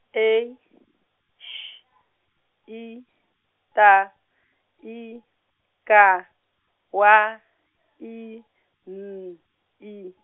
E X I T I K W I N I.